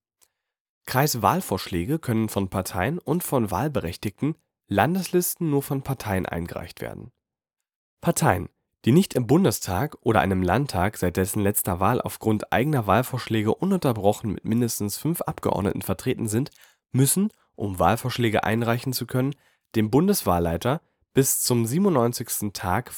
Kreiswahlvorschläge können von Parteien und von Wahlberechtigten, Landeslisten nur von Parteien eingereicht werden. Parteien, die nicht im Bundestag oder einem Landtag seit dessen letzter Wahl aufgrund eigener Wahlvorschläge ununterbrochen mit mindestens fünf Abgeordneten vertreten sind, müssen, um Wahlvorschläge einreichen zu können, dem Bundeswahlleiter bis zum 97. Tag